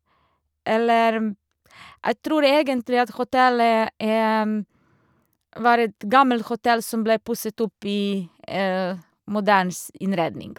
Eller jeg tror egentlig at hotellet er var et gammel hotell som ble pusset opp i moderne innredning.